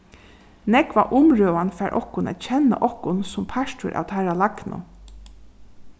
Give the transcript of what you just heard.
nógva umrøðan fær okkum at kenna okkum sum partur av teirra lagnu